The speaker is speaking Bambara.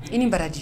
I ni baraji